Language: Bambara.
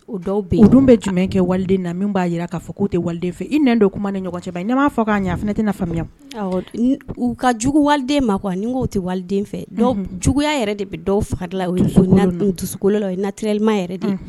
O dɔw bɛ yen u dun bɛ jumɛn kɛ waliden na min b'a jira k'a fɔ k'u tɛ waliden fɛ i nɛn don kuma ni ɲɔgɔn cɛ bani ni n m'a fɔ k'a ɲɛ a fana tɛna faamuya, awɔ, u ka jugu waliden ma quoi ni n ko u tɛ waliden fɛ juguya yɛrɛ de bɛ dɔw fari la u dusukolo la la o ye naturellement yɛrɛ de ye, unhun